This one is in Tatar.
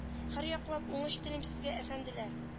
Һәрьяклап уңыш телим сезгә әфәнделәр